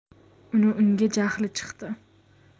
uni unga jahli chiqdi